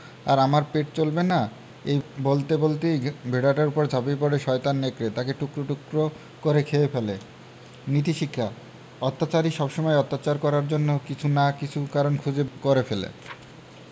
আর আমার পেট চলবে না এই বলতে বলতেই ভেড়াটার উপর ঝাঁপিয়ে পড়ে শয়তান নেকড়ে তাকে টুকরো টুকরো করে খেয়ে ফেলল নীতিশিক্ষাঃ অত্যাচারী সবসময়ই অত্যাচার করার জন্য কিছু না কিছু কারণ করে ফেলে